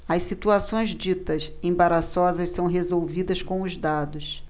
as situações ditas embaraçosas são resolvidas com os dados